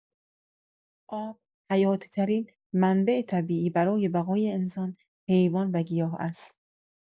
آب، حیاتی‌ترین منبع طبیعی برای بقای انسان، حیوان و گیاه است.